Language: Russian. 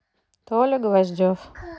толя гвоздев